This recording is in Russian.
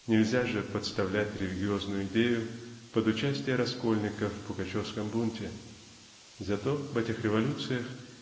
Нельзя же подставлять религиозную идею под участие раскольников в пугачевском бунте? Зато в этих революциях